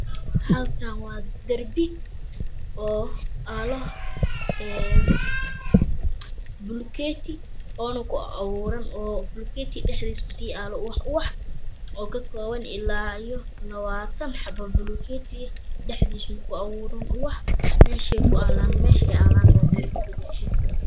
Halkaan wa darbi. 'Oo aalo " maahan ee waa oo yaala. Bulukeeti oona ku a a buuran .oo nukukeetiga dhexdiisa ku sii abaauran ubax ubax. Oo ka kooban ilaa labatan xabo oo bulukeeti eh.dhexdiisane ku abuuran. Meeshee yaalaan waa darbi gadaashiis